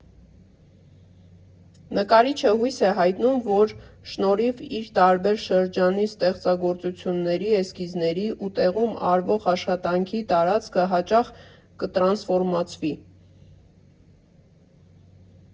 Նկարիչը հույս է հայտնում, որ շնորհիվ իր տարբեր շրջանի ստեղծագործությունների, էսքիզների ու տեղում արվող աշխատանքի՝ տարածքը հաճախ կտրանսֆորմացվի։